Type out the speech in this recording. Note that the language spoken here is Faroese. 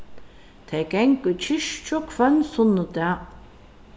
tey ganga í kirkju hvønn sunnudag